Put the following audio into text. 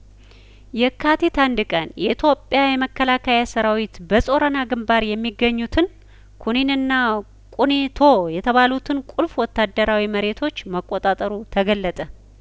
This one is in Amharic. የካቲት አንድ ቀን የኢትዮጵያ የመከላከያ ሰራዊት በጾረና ግንባር የሚገኙትን ኩኒንና ቁኒቶ የተባሉትን ቁልፍ ወታደራዊ መሬቶች መቆጣጠሩ ተገለጠ